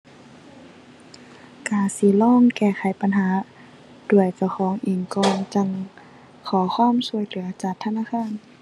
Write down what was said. ก็สิลองแก้ไขปัญหาด้วยเจ้าของเองก่อน จั่งขอความช่วยเหลือจากธนาคาร